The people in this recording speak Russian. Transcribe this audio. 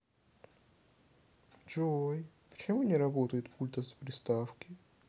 джой почему не работает пульт от приставки